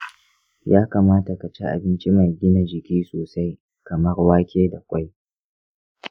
ya kamata ka ci abinci mai gina jiki sosai kamar wake da ƙwai.